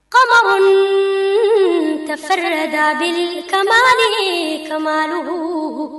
Kabasonin tɛ terikɛ da kamalenin kalu